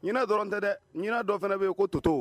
Ɲin dɔrɔn tɛ dɛ ɲin dɔ fana bɛ yen ko toto